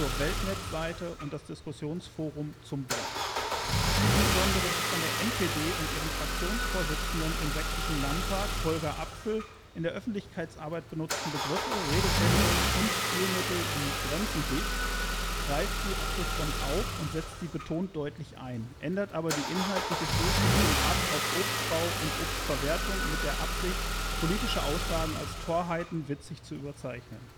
Weltnetzseite “und das Diskussionsforum zum „ Brett “. Insbesondere die von der NPD und ihrem Fraktionsvorsitzenden im Sächsischen Landtag Holger Apfel in der Öffentlichkeitsarbeit benutzten Begriffe, Redewendungen und Stilmittel wie „ Grenzen dicht! “greift die Apfelfront auf und setzt sie betont deutlich ein, ändert aber die inhaltliche Stoßrichtung ab auf Obstbau und Obstverwertung mit der Absicht, politische Aussagen als Torheiten witzig zu überzeichnen